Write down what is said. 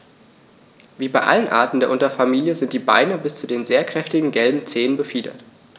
Wie bei allen Arten der Unterfamilie sind die Beine bis zu den sehr kräftigen gelben Zehen befiedert.